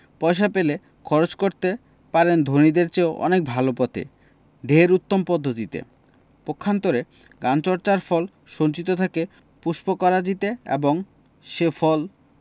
পয়সা পেলে খরচ করতে পারেন ধনীদের চেয়ে অনেক ভালো পথে ঢের উত্তম পদ্ধতিতে পক্ষান্তরে জ্ঞানচর্চার ফল সঞ্চিত থাকে পুস্পকরাজিতে এবং সে ফল